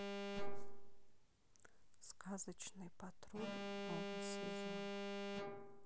сказочный патруль новый сезон